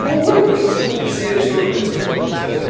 Pulled over and took the mysterious woman into a public toilet